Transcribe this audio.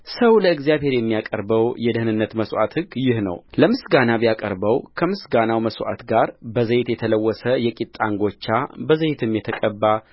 ሰው ለእግዚአብሔር የሚያቀርበው የደኅንነት መሥዋዕት ሕግ ይህ ነውለምስጋና ቢያቀርበው ከምስጋናው መሥዋዕት ጋር በዘይት የተለወሰ የቂጣ እንጎቻ በዘይትም የተቀባ